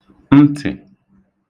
ntị̀